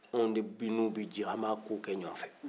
anw de n'u bɛ jɛ an b'a ko kɛ ɲɔgɔn fɛ